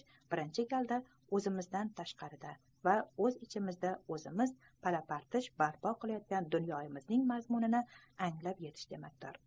birinchi galda o'zimizdan tashqarida va o'z ichimizda pala partish barpo qilayotgan dunyomizning mazmunini anglab yetish demakdir